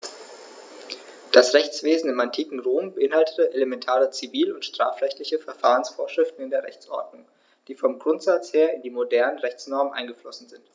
Das Rechtswesen im antiken Rom beinhaltete elementare zivil- und strafrechtliche Verfahrensvorschriften in der Rechtsordnung, die vom Grundsatz her in die modernen Rechtsnormen eingeflossen sind.